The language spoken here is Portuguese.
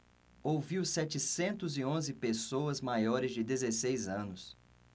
ouviu setecentos e onze pessoas maiores de dezesseis anos